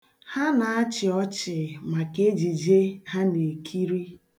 Ha na-achị ọchị maka ejije ha na-ekiri.